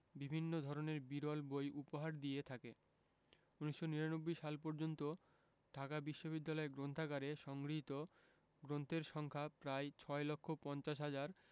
বিভিন্ন ধরনের বিরল বই উপহার দিয়ে থাকে ১৯৯৯ সাল পর্যন্ত ঢাকা বিশ্ববিদ্যালয় গ্রন্থাগারে সংগৃহীত গ্রন্থের সংখ্যা প্রায় ৬ লক্ষ ৫০ হাজার